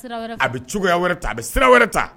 A bɛ cogoya wɛrɛ ta a bɛ sira wɛrɛ ta